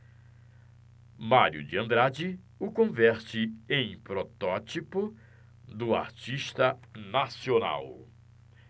mário de andrade o converte em protótipo do artista nacional